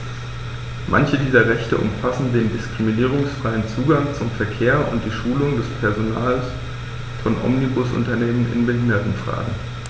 Manche dieser Rechte umfassen den diskriminierungsfreien Zugang zum Verkehr und die Schulung des Personals von Omnibusunternehmen in Behindertenfragen.